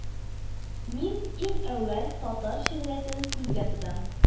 Мин иң әүвәл татар шигъриятен күздә тотам